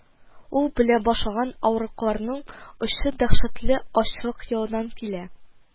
Ул белә башлаган авырлыкларның очы дәһшәтле ачлык елдан килә